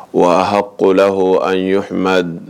Wa ko la ko an ɲɔ